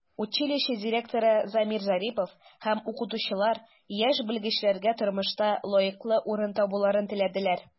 Училище директоры Замир Зарипов һәм укытучылар яшь белгечләргә тормышта лаеклы урын табуларын теләделәр.